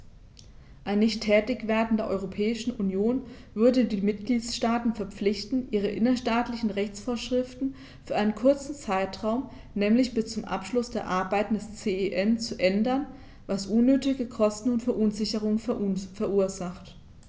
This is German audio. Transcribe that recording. Ein Nichttätigwerden der Europäischen Union würde die Mitgliedstaaten verpflichten, ihre innerstaatlichen Rechtsvorschriften für einen kurzen Zeitraum, nämlich bis zum Abschluss der Arbeiten des CEN, zu ändern, was unnötige Kosten und Verunsicherungen verursacht.